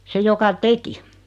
se joka teki